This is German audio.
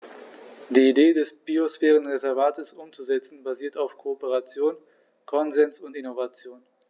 Die Idee des Biosphärenreservates umzusetzen, basiert auf Kooperation, Konsens und Innovation.